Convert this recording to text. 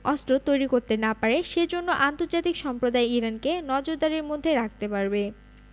অস্ত্র তৈরি করতে না পারে সে জন্য আন্তর্জাতিক সম্প্রদায় ইরানকে নজরদারির মধ্যে রাখতে পারবে